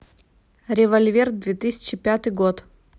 револьвер две тысячи пятый год